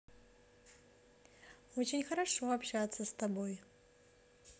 очень хорошо общаться с тобой